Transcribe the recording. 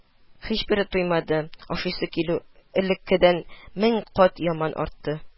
Һичбере туймады, ашыйсы килү элеккедән мең кат яман артты